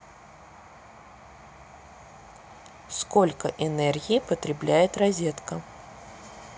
сколько энергии потребляет розетка